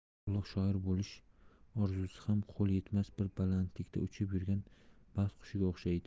ulug' shoir bo'lish orzusi ham qo'l yetmas bir balandlikda uchib yurgan baxt qushiga o'xshaydi